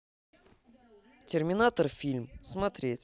терминатор фильм смотреть